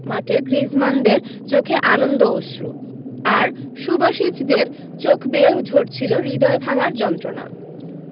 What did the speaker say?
মাঠে গ্রিজমানদের চোখে আনন্দ অশ্রু আর সুবাসিচদের চোখ বেয়ে ঝরছিল হৃদয় ভাঙার যন্ত্রণা